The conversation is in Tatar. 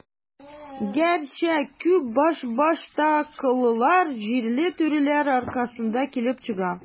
Гәрчә, күп башбаштаклыклар җирле түрәләр аркасында килеп чыга.